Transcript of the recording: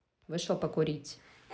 вышел покурить